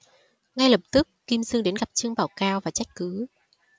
ngay lập tức kim dương đến gặp trương bảo cao và trách cứ